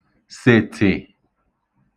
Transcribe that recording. sètị̀